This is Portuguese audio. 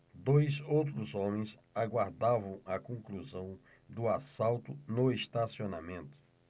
dois outros homens aguardavam a conclusão do assalto no estacionamento